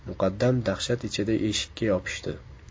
muqaddam dahshat ichida eshikka yopishdi